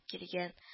Килгән